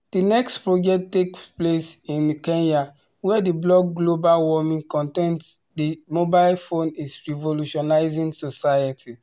The next project takes place in Kenya, where the blog Global Warming contends the mobile phone is revolutionizing society.